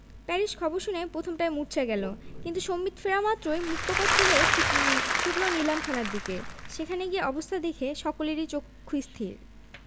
Paris খবর শুনে প্রথমটায় মুর্ছা গেল কিন্তু সম্বিত ফেরা মাত্রই মুক্তকচ্ছ হয়ে ছুটল নিলাম খানার দিকে সেখানে গিয়ে অবস্থা দেখে সকলেরই চক্ষুস্থির